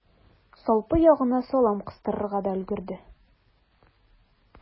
Салпы ягына салам кыстырырга да өлгерде.